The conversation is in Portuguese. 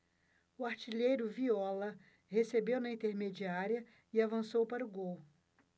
o artilheiro viola recebeu na intermediária e avançou para o gol